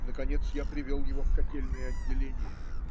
наконец я привел его в котельное отделение.